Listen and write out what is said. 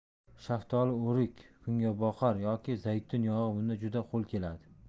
shaftoli o'rik kungaboqar yoki zaytun yog'i bunda juda qo'l keladi